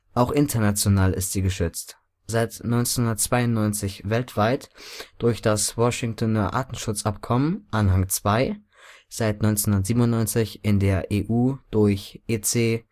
auch international ist sie geschützt, seit 1992 weltweit durch das Washingtoner Artenschutzabkommen (Anhang II), seit 1997 in der EU durch EC